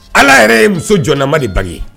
Ala yɛrɛ ye muso jɔnaman de bange